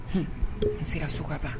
H n sera ka sokɛkata